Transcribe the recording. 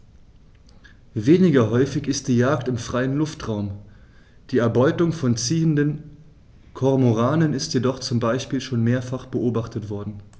Weniger häufig ist die Jagd im freien Luftraum; die Erbeutung von ziehenden Kormoranen ist jedoch zum Beispiel schon mehrfach beobachtet worden.